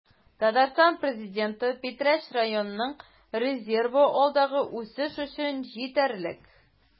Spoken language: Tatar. Татарстан Президенты: Питрәч районының резервы алдагы үсеш өчен җитәрлек